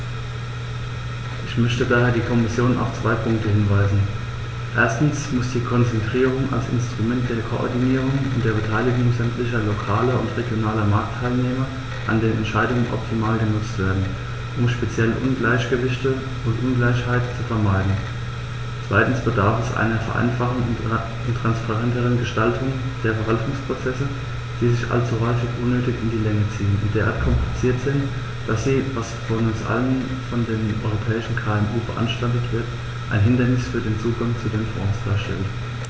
Ich möchte daher die Kommission auf zwei Punkte hinweisen: Erstens muss die Konzertierung als Instrument der Koordinierung und der Beteiligung sämtlicher lokaler und regionaler Marktteilnehmer an den Entscheidungen optimal genutzt werden, um speziell Ungleichgewichte und Ungleichheiten zu vermeiden; zweitens bedarf es einer Vereinfachung und transparenteren Gestaltung der Verwaltungsprozesse, die sich allzu häufig unnötig in die Länge ziehen und derart kompliziert sind, dass sie, was vor allem von den europäischen KMU beanstandet wird, ein Hindernis für den Zugang zu den Fonds darstellen.